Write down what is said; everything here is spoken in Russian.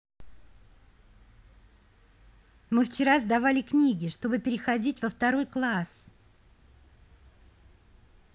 мы вчера сдавали книги чтобы переходить во второй класс